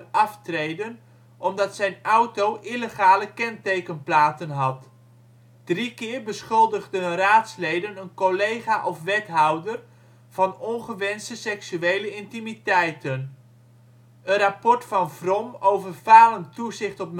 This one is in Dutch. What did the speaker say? aftreden omdat zijn auto illegale kentekenplaten had. Drie keer beschuldigden raadsleden een collega of wethouder van ongewenste seksuele intimiteiten. Een rapport van VROM over falend toezicht op